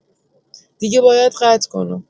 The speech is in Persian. دیگه باید قطع کنم.